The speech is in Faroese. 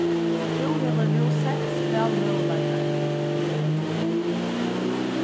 tú hevur nú seks valmøguleikar